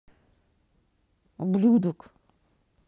ублюдок